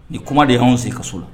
Nin kuma de y'anw sen kaso la